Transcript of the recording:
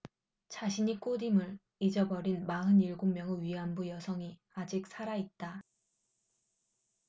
자신이 꽃임을 잊어버린 마흔 일곱 명의 위안부 여성이 아직 살아 있다